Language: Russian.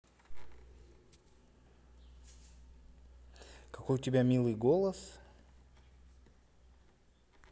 какой у тебя милый голос